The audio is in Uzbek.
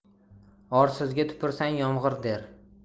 orsizga tupursang yomg'ir der